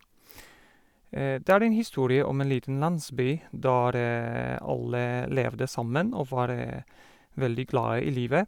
Det er en historie om en liten landsby der alle levde sammen og var veldig glade i livet.